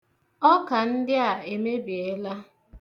Ọka ndị a emebiela.